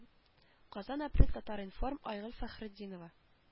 Казан апрель татар-информ айгөл фәхретдинова